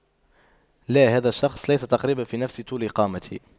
لا هذا الشخص ليس تقريبا في نفس طول قامتي